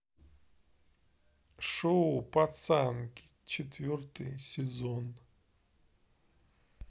шоу пацанки четвертый сезон